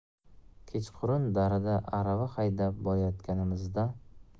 kechqurun darada arava haydab borayotganimizda